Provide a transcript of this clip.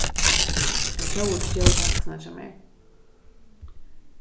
ein tjóvur stjól taskuna hjá mær